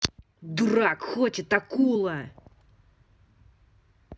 дурак хочет акула